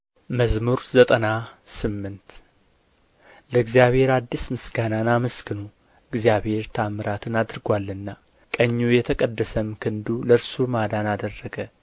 መዝሙር ዘጠና ስምንት ለእግዚአብሔር አዲስ ምስጋናን አመስግኑ እግዚአብሔር ተኣምራትን አድርጎአልና ቀኙ የተቀደሰም ክንዱ ለእርሱ ማዳን አደረገ